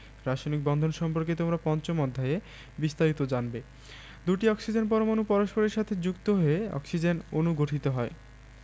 রাসায়নিক বন্ধন সম্পর্কে তোমরা পঞ্চম অধ্যায়ে বিস্তারিত জানবে দুটি অক্সিজেন পরমাণু পরস্পরের সাথে যুক্ত হয়ে অক্সিজেন অণু গঠিত হয়